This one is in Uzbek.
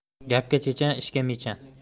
gapga chechan ishga mechan